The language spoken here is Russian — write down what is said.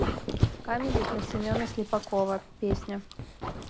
камеди про семена слепакова песня